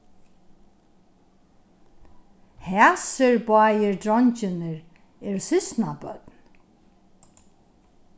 hasir báðir dreingirnir eru systkinabørn